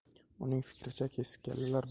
uning fikricha kesik kallalar boburga